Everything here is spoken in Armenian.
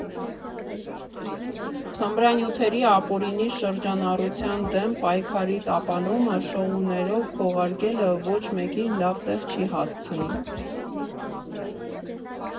Թմրանյութերի ապօրինի շրջանառության դեմ պայքարի տապալումը շոուներով քողարկելը ոչ մեկին լավ տեղ չի հասցնի։